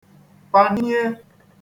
pànie